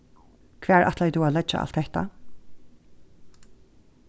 hvar ætlaði tú at leggja alt hetta